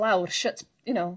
lawr shut you know...